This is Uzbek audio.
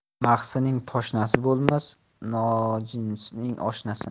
mahsining poshnasi bo'lmas nojinsining oshnasi